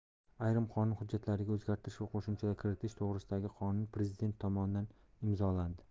ayrim qonun hujjatlariga o'zgartish va qo'shimchalar kiritish to'g'risidagi qonun prezident tomonidan imzolandi